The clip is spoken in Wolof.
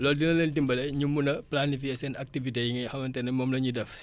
loolu dina leen dimbale ñu mun a planifier seen activités yi nga xamante ne moom la ñuy def